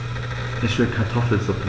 Ich will Kartoffelsuppe.